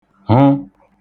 -hụ